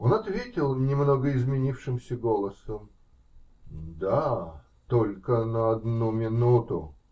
Он ответил немного изменившимся голосом: -- Да. только на одну минуту.